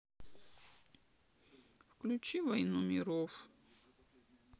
включи войну миров